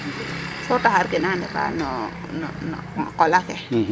So taxar ke na ndefaa no no na qol axe ,